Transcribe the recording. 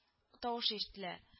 Тавышы иштелә